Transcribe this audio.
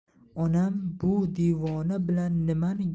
onam bu devona bilan